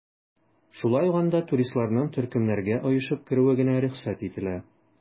Шулай ук анда туристларның төркемнәргә оешып керүе генә рөхсәт ителә.